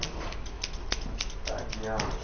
так диана